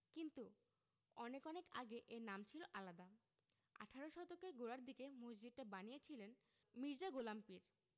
কিন্তু অনেক অনেক আগে এর নাম ছিল আলাদা আঠারো শতকের গোড়ার দিকে মসজিদটা বানিয়েছিলেন মির্জা গোলাম পীর